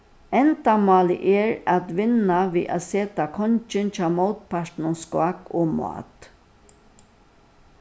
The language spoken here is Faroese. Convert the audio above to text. endamálið er at vinna við at seta kongin hjá mótpartinum skák og mát